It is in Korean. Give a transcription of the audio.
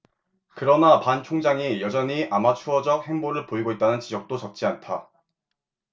그러나 반 총장이 여전히 아마추어적 행보를 보이고 있다는 지적도 적지 않다